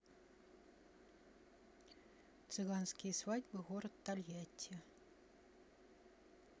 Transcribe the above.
цыганские свадьбы город тольятти